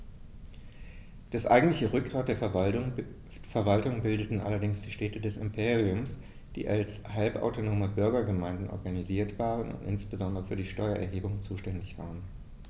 Das eigentliche Rückgrat der Verwaltung bildeten allerdings die Städte des Imperiums, die als halbautonome Bürgergemeinden organisiert waren und insbesondere für die Steuererhebung zuständig waren.